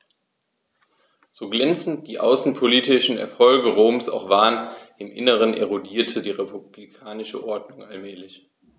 So glänzend die außenpolitischen Erfolge Roms auch waren: Im Inneren erodierte die republikanische Ordnung allmählich.